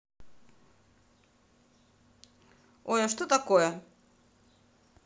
ой а что такое